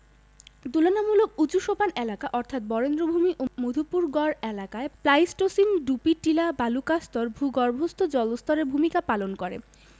তুলনামূলক উঁচু সোপান এলাকা অর্থাৎ বরেন্দ্রভূমি ও মধুপুরগড় এলাকায় প্লাইসটোসিন ডুপি টিলা বালুকাস্তর ভূগর্ভস্থ জলস্তরের ভূমিকা পালন করে